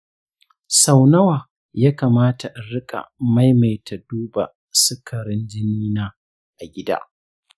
sau nawa ya kamata in riƙa maimaita duba sukarin jinina a gida?